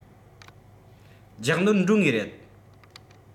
རྒྱག ནོར འགྲོ ངེས རེད